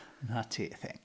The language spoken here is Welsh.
'Na ti thing.